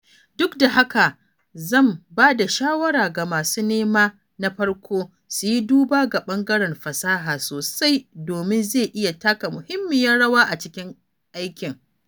Duk da haka, zan ba da shawara ga masu nema na farko su yi duba ga ɓangaren fasaha sosai, domin zai iya taka muhimmiyar rawa a cikin aikin.